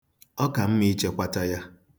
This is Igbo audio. Ọ ka mma ichekwata ya.